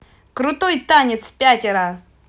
крутой танец пятеро